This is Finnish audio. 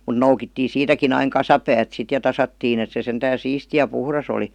mutta noukittiin siitäkin aina kasapäät sitten ja tasattiin että se sentään siisti ja puhdas oli